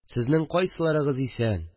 Сезнең кайсыларыгыз исән